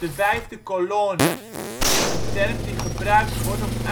vijfde colonne is een term die gebruikt wordt